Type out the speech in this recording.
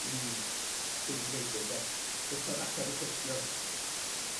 Mm, de, gwrthod atab y cwestiwn.